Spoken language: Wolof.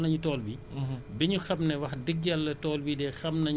dafa fekk nag booy assurer bu fekkee ne technicien xool nañu tool bi